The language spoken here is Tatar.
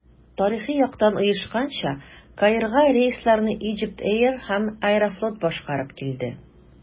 Тарихи яктан оешканча, Каирга рейсларны Egypt Air һәм «Аэрофлот» башкарып килде.